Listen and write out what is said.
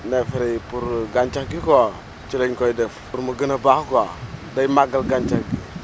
neefere yi pour gàncax gi quoi ci la ñu koy def pour mu gën a baax quoi day màggal gàncax gi